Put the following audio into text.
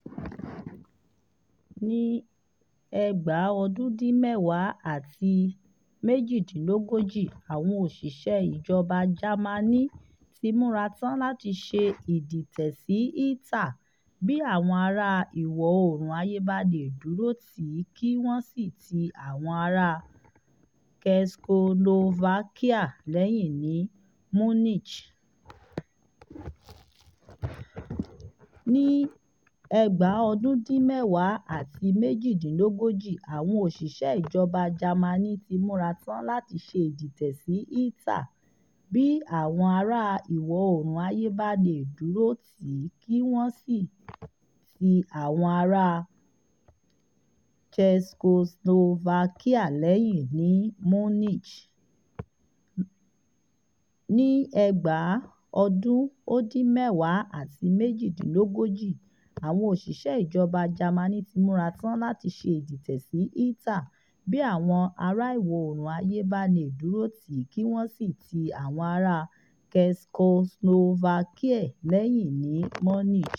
Lọ́dún 1938, àwọn òṣìṣẹ́ ìjọba Jámánì ti múra tán láti ṣe ìdìtẹ̀ sí Hitler, bí àwọn ará Ìwọ̀ Oòrùn ayé bá lè dúró tì í kí wọ́n sì ti àwọn ará Czechoslovakia lẹ́yìn ní Munich.